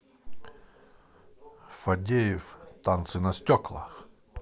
фадеев танцы на стеклах